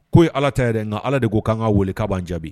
Ko ye ala tɛ yɛrɛ n nka ala de ko k' ka wele k'banan jaabi